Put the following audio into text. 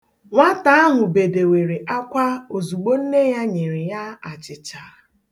Nwata ahụ bedewere akwa ozugbo nne ya nyere ya achịcha.